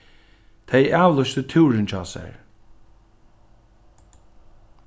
tey avlýstu túrin hjá sær